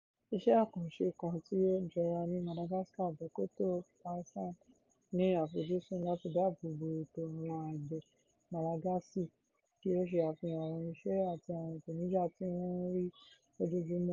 Iṣẹ́ àkànṣe kan tí ó jọra ní Madagascar, Bekoto Paysans, ní àfojúsùn láti dáàbò bo ẹ̀tọ́ àwọn àgbẹ̀ Malagasy, kí ó ṣe àfihàn àwọn iṣẹ́ àti àwọn ìpènijà tí wọ́n ń rí lójoojúmọ́ (fr).